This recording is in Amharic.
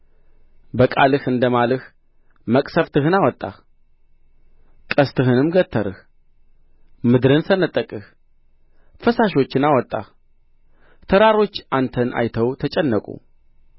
በቃልህ እንደ ማልህ መቅሠፍትህን አወጣህ ቀስትህንም ገተርህ ምድርን ሰንጥቀህ ፈሳሾችን አወጣህ ተራሮች አንተን አይተው ተጨነቁ